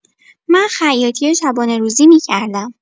من خیاطی شبانه‌روزی می‌کردم.